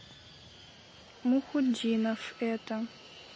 мухутдинов это